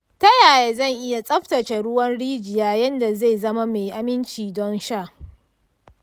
ta yaya zan iya tsaftace ruwan rijiya yadda zai zama mai aminci don sha?